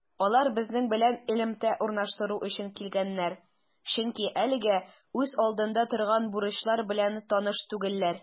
Алар безнең белән элемтә урнаштыру өчен килгәннәр, чөнки әлегә үз алдында торган бурычлар белән таныш түгелләр.